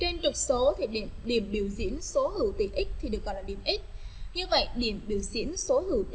trên trục số điểm biểu diễn số hữu tỉ x được gọi là điểm x như vậy điểm biểu diễn số hữu